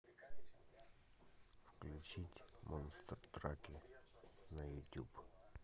включить монстр траки на ютуб